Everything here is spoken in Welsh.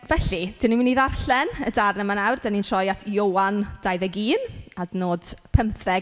Felly, dan ni'n mynd i ddarllen y darn yma nawr. Dan ni'n troi at Ioan dau ddeg un adnod pymtheg.